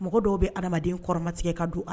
Mɔgɔ dɔw bɛ adamadamaden kɔrɔmatigɛ ka don